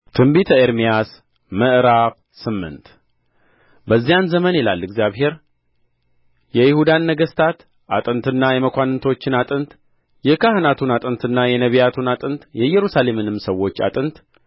ትንቢተ ኤርምያስ ምዕራፍ ስምንት በዚያን ዘመን ይላል እግዚአብሔር የይሁዳን ነገሥታት አጥንትና የመኳንንቶቹን አጥንት የካህናቱን አጥንትና የነቢያቱን አጥንት የኢየሩሳሌምንም ሰዎች አጥንት